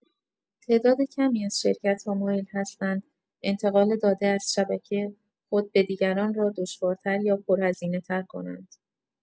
تعداد کمی از شرکت‌ها مایل هستند انتقال داده از شبکه خود به دیگران را دشوارتر یا پرهزینه‌تر کنند.